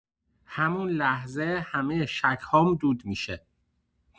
همون لحظه، همۀ شک‌هام دود می‌شه.